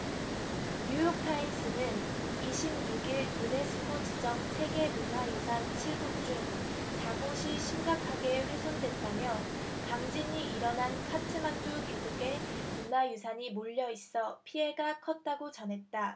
뉴욕타임스는 이십 육 일 유네스코 지정 세계문화유산 칠 곳 중 사 곳이 심각하게 훼손됐다며 강진이 일어난 카트만두 계곡에 문화유산이 몰려 있어 피해가 컸다고 전했다